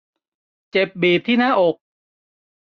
เจ็บบีบที่หน้าอก